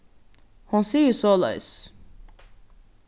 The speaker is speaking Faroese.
hon sigur soleiðis